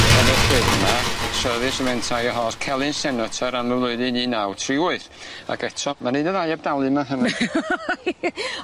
yn y llyfr 'ma Celyn Senotor am y flwyddyn un naw tri wyth ac eto ma' 'na un neu ddau 'eb dalu .